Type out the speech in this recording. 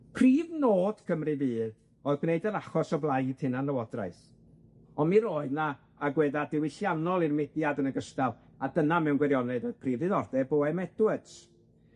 Prif nod Cymru Fydd oedd gwneud yr achos o blaid hunanlywodraeth, on' mi roedd 'na agwedda' diwylliannol i'r mudiad yn ogystal, a dyna mewn gwirionedd o'dd prif ddiddordeb Owe Em Edwards.